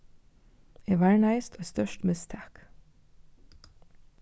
eg varnaðist eitt stórt mistak